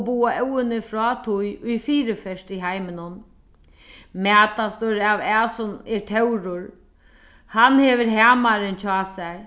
boða óðini frá tí ið fyriferst í heiminum mætastur av er tórur hann hevur hamaran hjá sær